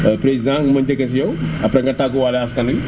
président ma njëkkee si yow après nga tàgguwaale askan wi